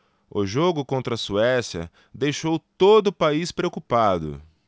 o jogo contra a suécia deixou todo o país preocupado